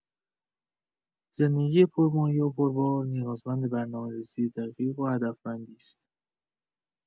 زندگی پرمایه و پربار نیازمند برنامه‌ریزی دقیق و هدفمندی است.